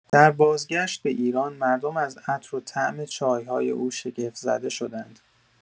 در بازگشت به ایران، مردم از عطر و طعم چای‌های او شگفت‌زده شدند.